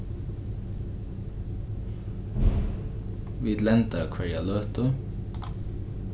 vit lenda hvørja løtu